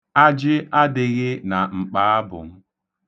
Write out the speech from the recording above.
Ajị adịghị na mkpaabụ m.